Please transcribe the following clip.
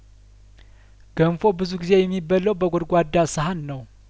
ገንፎ ብዙ ጊዜ የሚበላው በጐድጓዳ ሳህን ነው